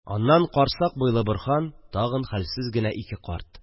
Аннан карсак буйлы Борһан, тагын хәлсез генә ике карт